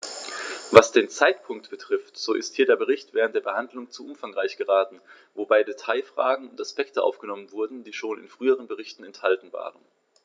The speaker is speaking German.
Was den Zeitpunkt betrifft, so ist hier der Bericht während der Behandlung zu umfangreich geraten, wobei Detailfragen und Aspekte aufgenommen wurden, die schon in früheren Berichten enthalten waren.